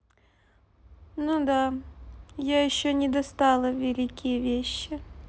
ну да я еще не достала великие вещи